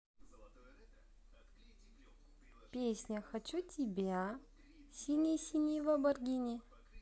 песня хочу тибя синий синего боргини